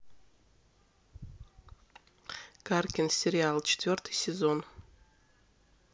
каркин сериал четвертый сезон